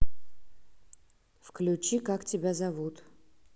включи как тебя зовут